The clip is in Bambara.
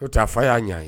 O t taa a fa y'a ɲɛ' ye